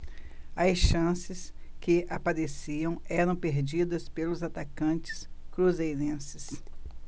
as chances que apareciam eram perdidas pelos atacantes cruzeirenses